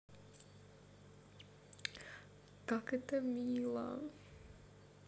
как это мило